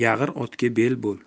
yag'ir otga bel bo'l